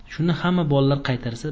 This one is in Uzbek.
shuni xamma bolalar qaytarsa